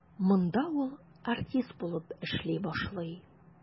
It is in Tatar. Монда ул артист булып эшли башлый.